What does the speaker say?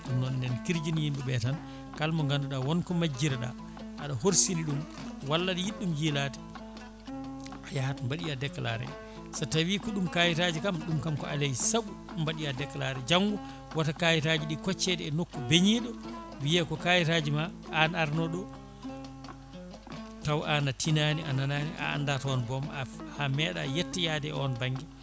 ɗum noon en kirjini yimɓeɓe tan kala mo ganduɗa wonko majjireɗa aɗa horsini ɗum walla aɗa yiiɗi ɗum yiilade a yaahat mbaɗoya déclaré so tawi ko ɗum kayitaji kam ɗum kam ko alay saago mbaɗoya déclaré janggo woto kayitaji ɗi koccede e nokku beeñiɗo wiiya ko kayitaji ma an arno ɗo taw an a tiinani a nanani a anda toon boom a meeɗa yettoyade e on banggue